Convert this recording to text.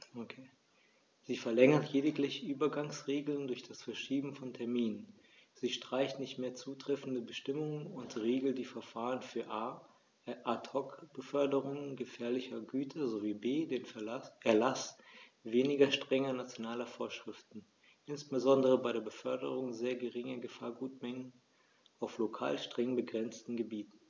Sie verlängert lediglich Übergangsregeln durch das Verschieben von Terminen, sie streicht nicht mehr zutreffende Bestimmungen, und sie regelt die Verfahren für a) Ad hoc-Beförderungen gefährlicher Güter sowie b) den Erlaß weniger strenger nationaler Vorschriften, insbesondere bei der Beförderung sehr geringer Gefahrgutmengen auf lokal streng begrenzten Gebieten.